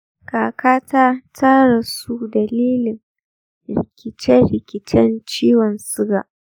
kakata ta rasu dalilin rikice-rikicen ciwon suga.